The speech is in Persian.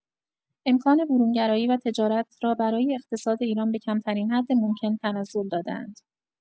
امکان برون‌گرایی و تجارت را برای اقتصاد ایران به کم‌ترین حد ممکن تنزل داده‌اند.